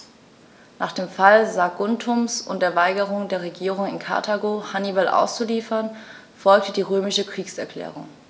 Nach dem Fall Saguntums und der Weigerung der Regierung in Karthago, Hannibal auszuliefern, folgte die römische Kriegserklärung.